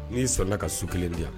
N'i sɔnna ka su kelen diya